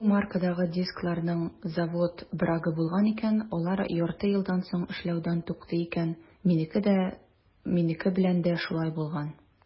Бу маркадагы дискларның завод брагы булган икән - алар ярты елдан соң эшләүдән туктый икән; минеке белән дә шулай булган.